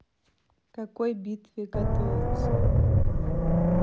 к какой битве готовиться